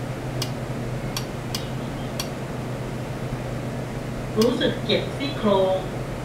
รู้สึกเจ็บซี่โครง